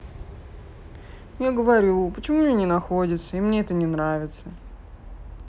я говорю почему мне не находится и мне это не нравится